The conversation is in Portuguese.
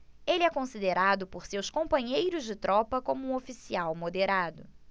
ele é considerado por seus companheiros de tropa como um oficial moderado